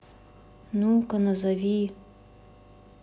ну ка назови